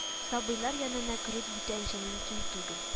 Сабыйлар янына керү бүтәнчә мөмкин түгел